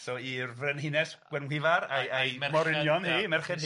So i'r Frenhines Wenhwyfar a'i... a'i Merched... morwynion hi, merched ia...